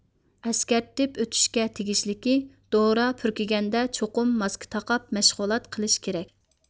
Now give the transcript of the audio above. ئەسكەرتىپ ئۆتۈشكە تېگىشلىكى دورا پۈركىگەندە چوقۇم ماسكا تاقاپ مەشغۇلات قىلىش كېرەك